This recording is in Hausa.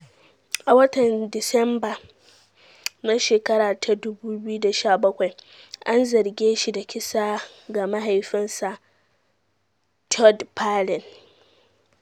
A watan Disamba na shekara ta 2017, an zarge shi da kisa ga mahaifinsa, Todd Palin.